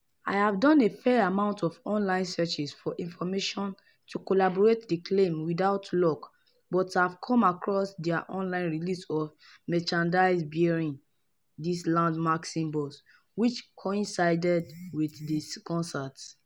I have done a fair amount of online searches for information to corroborate the claim without luck but have come across their online release of merchandise bearing these landmark symbols, which coincided with the concert...